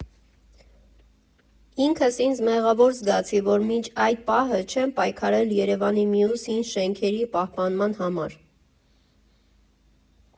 Ինքս ինձ մեղավոր զգացի, որ մինչ այդ պահը չեմ պայքարել Երևանի մյուս հին շենքերի պահպանման համար։